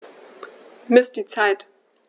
Miss die Zeit.